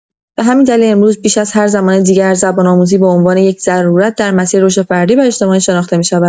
به همین دلیل، امروز بیش از هر زمان دیگر، زبان‌آموزی به عنوان یک ضرورت در مسیر رشد فردی و اجتماعی شناخته می‌شود.